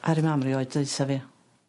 Aru mam rioed dweutho fi.